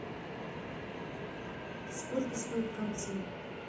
сколько стоит картина